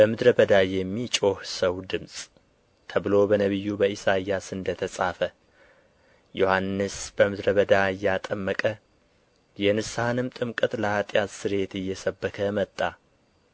በምድረ በዳ የሚጮኽ ሰው ድምፅ ተብሎ በነቢዩ በኢሳይያስ እንደ ተጻፈ ዮሐንስ በምድረ በዳ እያጠመቀ የንስሐንም ጥምቀት ለኃጢአት ስርየት እየሰበከ መጣ